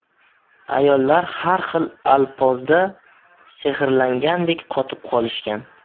ayollar har xil alpozda sehrlangandek qotib qolishgan